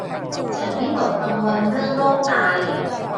ฉันวิตกกังวลเรื่องโรคไต